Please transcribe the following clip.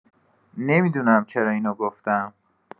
نمی‌دونم چرا اینو گفتم.